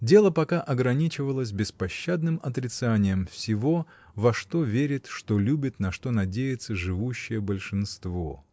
Дело пока ограничивалось беспощадным отрицанием всего, во что верит, что любит, на что надеется живущее большинство.